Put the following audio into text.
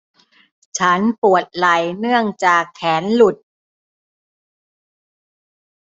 ฉันปวดไหล่เนื่องจากแขนหลุด